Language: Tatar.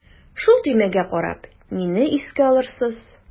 Шул төймәгә карап мине искә алырсыз.